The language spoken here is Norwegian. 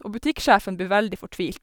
Og butikksjefen blir veldig fortvilt.